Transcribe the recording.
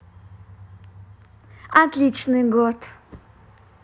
отличный год